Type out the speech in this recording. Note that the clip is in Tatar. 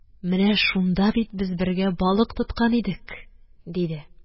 – менә шунда бит без бергә балык тоткан идек, – диде.